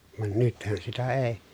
vaan nythän sitä ei